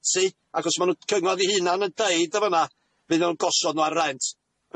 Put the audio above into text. ac os ma' cyngor 'u hunan yn deud yn fan 'na fydd o'n gosod n'w ar rent.